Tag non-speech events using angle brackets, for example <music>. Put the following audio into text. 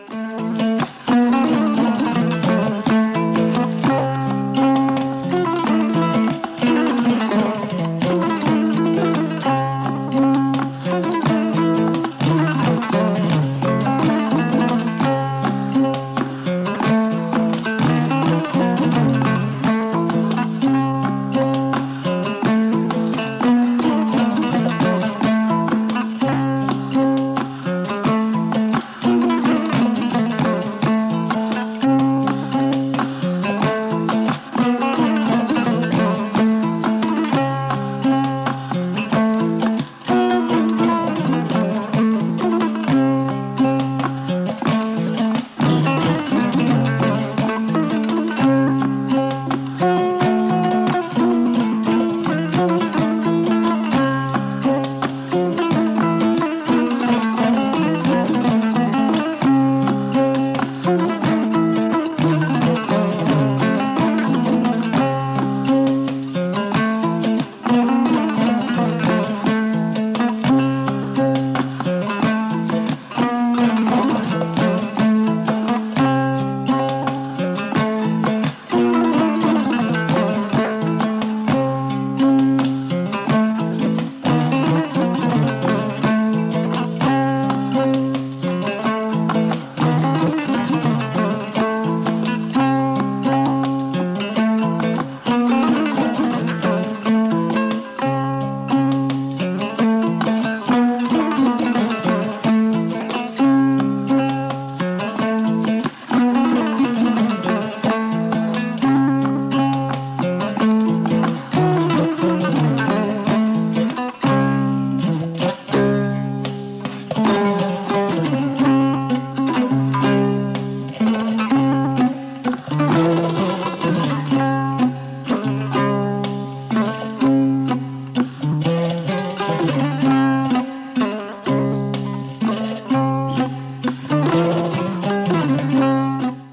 <music>